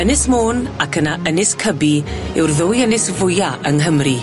Ynys Môn ac yna Ynys Cybi yw'r ddwy ynys fwya yng Nghymri.